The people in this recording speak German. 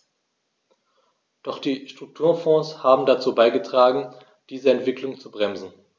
Doch die Strukturfonds haben dazu beigetragen, diese Entwicklung zu bremsen.